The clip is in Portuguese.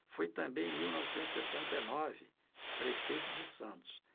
foi também em mil novecentos e setenta e nove prefeito de santos